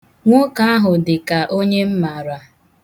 Nwoke ahụ dịka onye m mara.